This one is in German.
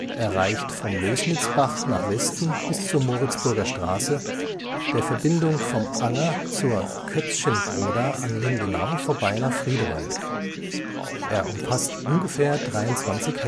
Er reicht vom Lößnitzbach nach Westen bis zur Moritzburger Straße, der Verbindung vom Anger von Kötzschenbroda an Lindenau vorbei nach Friedewald. Er umfasst ungefähr 23